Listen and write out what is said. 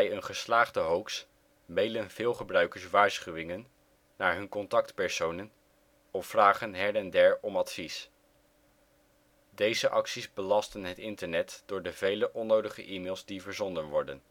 een geslaagde hoax mailen veel gebruikers waarschuwingen naar hun contactpersonen of vragen her en der om advies. Deze acties belasten het internet door de vele onnodige e-mails die verzonden worden